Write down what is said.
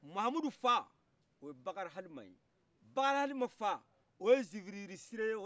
muhamudu fa oye bakari halima ye bakari halima fa oye ziviririsire